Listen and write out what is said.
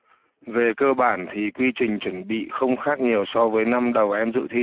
về cơ bản thì quy trình chuẩn bị không khác nhiều so với năm đầu em dự thi